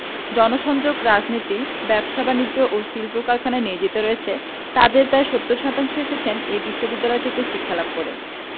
জনসংযোগ রাজনীতি ব্যবসা বাণিজ্য ও শিল্প কারখানায় নিয়োজিত রয়েছেন তাঁদের প্রায় ৭০ শতাংশ এসেছেন এ বিশ্ববিদ্যালয় থেকে শিক্ষালাভ করে